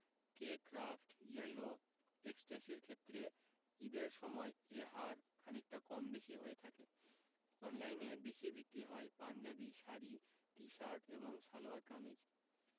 কে craft yellow এক্সট্যাসির ক্ষেত্রে ঈদের সময় এ হার খানিকটা কম বেশি হয়ে থাকে অনলাইনে বেশি বিক্রি হয় পাঞ্জাবি শাড়ি টি শার্ট এবং সালোয়ার কামিজ